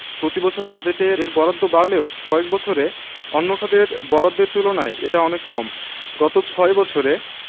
প্রতিবছর বাজেটে এর বরাদ্দ বাড়লেও কয়েক বছরে অন্য খাতের বরাদ্দের তুলনায় এটা অনেক কম গত ছয় বছরে